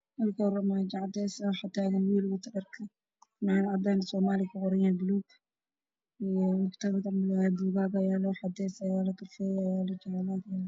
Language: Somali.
Waa nin hayo buug o qabo fanaanado caddaan